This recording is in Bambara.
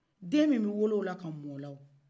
den min wolola o la ka mɔ o la wo